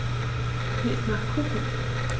Mir ist nach Kuchen.